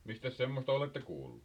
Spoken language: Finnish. mistäs semmoista olette kuullut